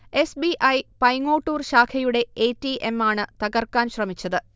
S. B. I. Paingottoor ശാഖയുടെ A. T. എമ്മാണ് തകർക്കാൻ ശ്രമിച്ചത്